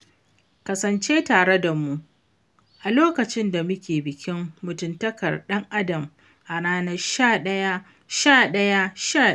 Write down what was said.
Kasance tare da mu a lakacin da muke bikin mutuntakar ɗan-adam a ranar 11/11/11.